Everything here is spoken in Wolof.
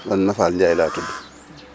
man Mafal Ndiaye laa tudd